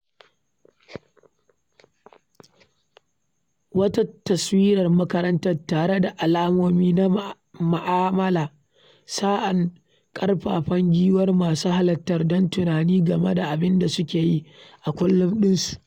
Wata taswirar makarantar, tare da alamomi na ma’amala, sa’an nan ƙarfafa gwiwar masu halartar don tunani game da abin da suke yi a kullum ɗinsu.